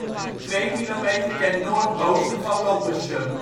twee kilometer ten noordoosten van Loppersum